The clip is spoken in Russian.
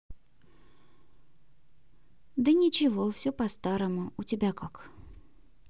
да ничего все по старому у тебя как